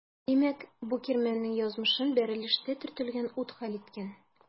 Димәк бу кирмәннең язмышын бәрелештә төртелгән ут хәл иткән.